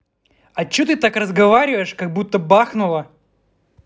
а че ты так разговариваешь как будто бахнула